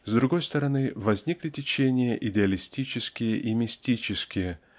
С другой стороны возникли течения идеалистические и мистические